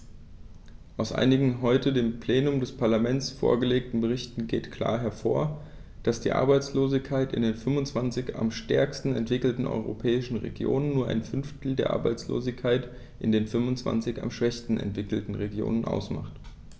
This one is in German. Aus einigen heute dem Plenum des Parlaments vorgelegten Berichten geht klar hervor, dass die Arbeitslosigkeit in den 25 am stärksten entwickelten europäischen Regionen nur ein Fünftel der Arbeitslosigkeit in den 25 am schwächsten entwickelten Regionen ausmacht.